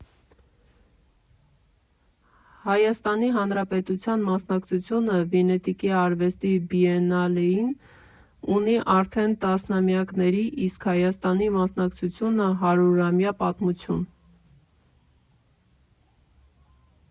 Հայաստանի Հանրապետության մասնակցությունը Վենետիկի արվեստի բիենալեին ունի արդեն տասնամյակների, իսկ Հայաստանի մասնակցությունը՝ հարյուրամյա պատմություն։